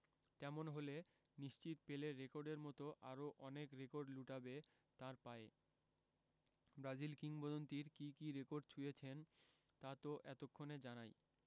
তেমন হলে নিশ্চিত পেলের রেকর্ডের মতো আরও অনেক রেকর্ড লুটাবে তাঁর পায়ে ব্রাজিল কিংবদন্তির কী কী রেকর্ড ছুঁয়েছেন তা তো এতক্ষণে জানাই